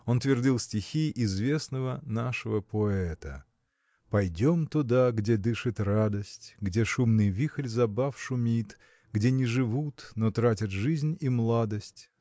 Он твердил стихи известного нашего поэта Пойдем туда где дышит радость Где шумный вихрь забав шумит Где не живут но тратят жизнь и младость!